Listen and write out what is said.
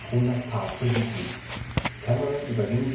um das Paar zu suchen. Cameron überging